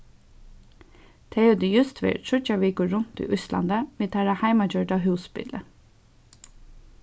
tey høvdu júst verið tríggjar vikur runt í íslandi við teirra heimagjørda húsbili